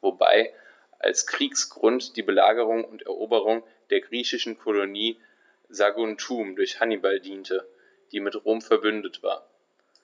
wobei als Kriegsgrund die Belagerung und Eroberung der griechischen Kolonie Saguntum durch Hannibal diente, die mit Rom „verbündet“ war.